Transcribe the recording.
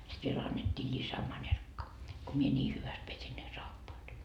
sitten vielä annettiin lisämanerkka kun minä niin hyvästi pesin ne saappaat